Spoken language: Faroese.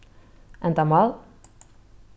endamál